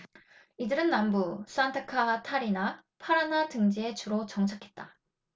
이들은 남부 산타카타리나 파라나 등지에 주로 정착했다